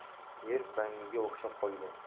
yer bangiga o'xshab qolgan